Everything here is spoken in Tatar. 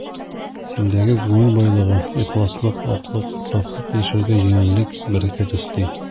Синдәге күңел байлыгы, ихласлык, аклык, сафлык яшәргә җиңеллек, бәрәкәт өсти.